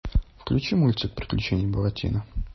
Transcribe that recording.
включи мультик приключения буратино